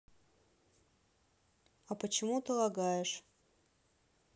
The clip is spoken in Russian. а почему ты лагаешь